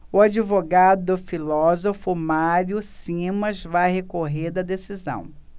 o advogado do filósofo mário simas vai recorrer da decisão